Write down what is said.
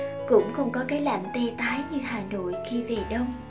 cũng không có cái lạnh tê tái như hà nội khi về đông